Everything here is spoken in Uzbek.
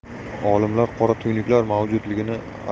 olimlar qora tuynuklar mavjudligini